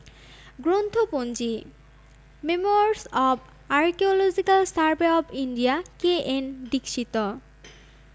গ্রন্থপঞ্জিঃ memoirs of archaeological survey of India K N Dikshit